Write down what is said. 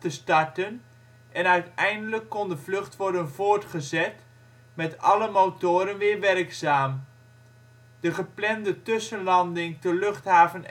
starten en uiteindelijk kon de vlucht worden voortgezet met alle motoren weer werkzaam. De geplande tussenlanding te Luchthaven